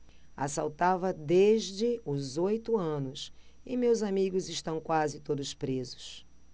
assaltava desde os oito anos e meus amigos estão quase todos presos